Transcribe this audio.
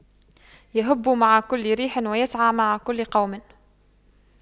يَهُبُّ مع كل ريح ويسعى مع كل قوم